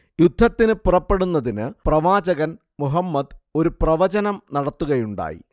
യുദ്ധത്തിന് പുറപ്പെടുന്നതിന് പ്രവാചകൻ മുഹമ്മദ് ഒരു പ്രവചനം നടത്തുകയുണ്ടായി